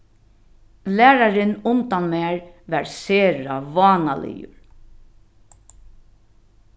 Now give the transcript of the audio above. lærarin undan mær var sera vánaligur